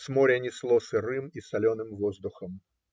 с моря несло сырым и соленым воздухом